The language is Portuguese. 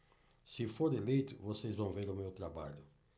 se for eleito vocês vão ver o meu trabalho